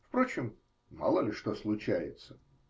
Впрочем, мало ли что случается.